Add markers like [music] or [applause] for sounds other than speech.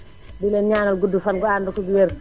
di leen ñaanal gudd fan gu ànd ak wér [noise]